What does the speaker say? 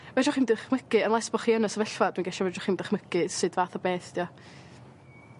fedrwch chi'm dychmygu unless bo' chi yn y sefyllfa dwi'n gesio fedrwch chi'm dychmygu sud fath o beth 'di o.